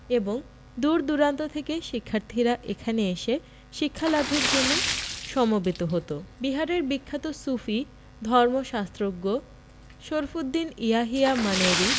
এবং দূরদূরান্ত থেকে শিক্ষার্থীরা এখানে শিক্ষালাভের জন্য সমবেত হতো বিহারের বিখ্যাত সুফি ধর্মশাস্ত্রজ্ঞ শরফুদ্দীন ইয়াহিয়া মানেরী